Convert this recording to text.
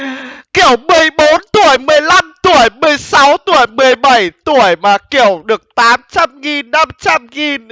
kiểu mười bốn tuổi mười lăm tuổi mười sáu tuổi mười bảy tuổi mà kiểu được tám trăm nghìn năm trăm nghìn